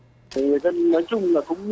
thì người dân nói chung là cũng